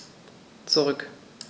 Zurück.